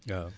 waaw